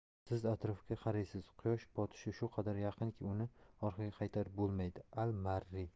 siz atrofga qaraysiz quyosh botishi shu qadar yaqinki uni orqaga qaytarib bo'lmaydi al maarri